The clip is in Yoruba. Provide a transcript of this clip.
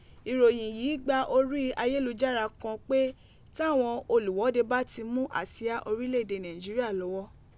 Iroyin yii gba ori ayelujara kan pe tawọn oluwọde ba ti mu asia orilẹede Naijiria lọwọ.